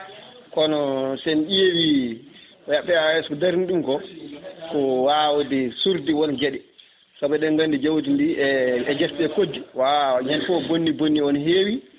kono sen ƴeewi PAS ko darni ɗum ko ko wawde suurde woon gueɗe saabu eɗen gandi jawdi ndi e gueseɗe koddi wa ñande foof bonni bonni o ne heewi